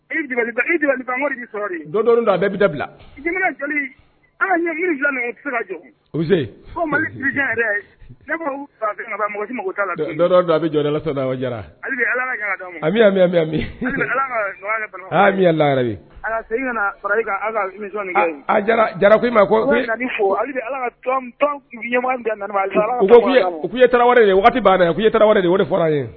Waatia de ye